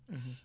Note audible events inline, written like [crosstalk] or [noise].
[hesitation] [hesitation]